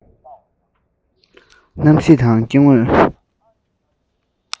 གནམ གཤིས དང སྐྱེ དངོས